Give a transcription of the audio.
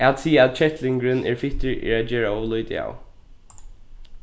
at siga at kettlingurin er fittur er at gera ov lítið av